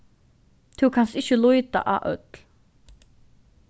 tú kanst ikki líta á øll